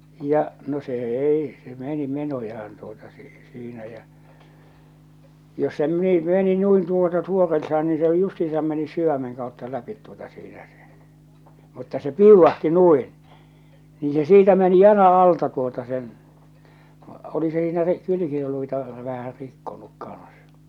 ja no se ei se meni menojaan tuota - siinä ja jos se meni meni noin tuota suoraltaan niin se on justiinsa mennyt sydämen kautta läpi tuota siinä se mutta se piuvahti noin niin se siitä meni jalan alta tuota sen oli se siinä - kylkiluita vähän rikkonut kanssa